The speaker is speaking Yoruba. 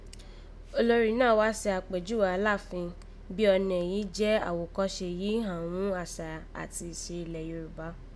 Olorì náà wá se àkpèjúwe Aláàfin bíí ọnẹ yìí jẹ́ àwòkọ́se yìí ghàn ghún àṣà àti ìse ilẹ̀ Yorùbá